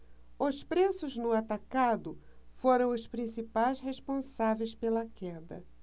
os preços no atacado foram os principais responsáveis pela queda